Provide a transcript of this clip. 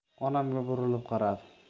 onamga burilib qaradi